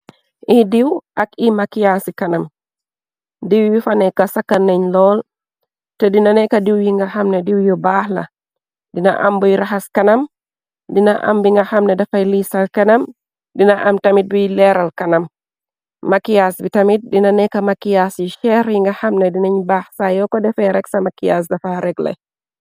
Iy diiw ak i-makiyaasi kanam diw yu fa nekka sakan nañ lool te dina nekka diw yi nga xamne diw yu baax la dina ambuy raxas kanam dina ambi nga xamne dafay lii sa kanam dina am tamit biy leeral kanam makiyaas bi tamit dina nekka makiyaas yi cheer yi nga xamne dinañ baax saay yoo ko defee reg sa makiyas dafa regley.